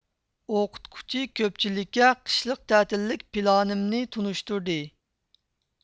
ئوقۇتقۇچى كۆپچىلىككە قىشلىق تەتىللىك پىلانىمنى تونۇشتۇردى